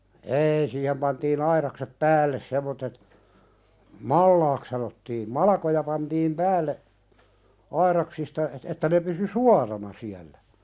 ei siihen pantiin aidaksi päälle semmoiset malaksi sanottiin malkoja pantiin päälle aidaksista - että ne pysyi suorana siellä